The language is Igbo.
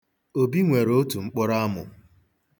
Obi nwere otu mkpụrụamụ.